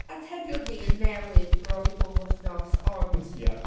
Atebion ni yn newid bron i bob wthnos, ond... Ie...